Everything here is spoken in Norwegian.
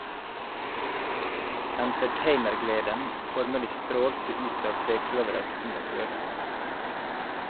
Entertainergleden formelig strålte ut av trekløveret under prøven.